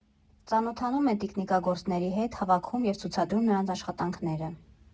Ծանոթանում է տիկնիկագործների հետ, հավաքում և ցուցադրում նրանց աշխատանքները։